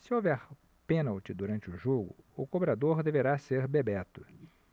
se houver pênalti durante o jogo o cobrador deverá ser bebeto